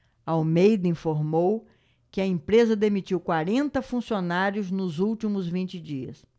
almeida informou que a empresa demitiu quarenta funcionários nos últimos vinte dias